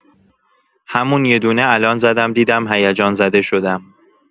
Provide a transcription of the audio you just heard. همون یدونه الان زدم دیدم هیجان‌زده شدم